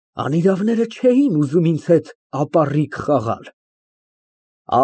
Անիրավները չէին ուզում ինձ հետ ապառիկ խաղալ։